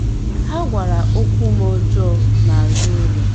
“Ha gwara okwu m ọjọọ n’azụ ụlọ.